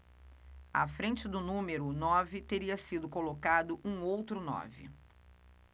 à frente do número nove teria sido colocado um outro nove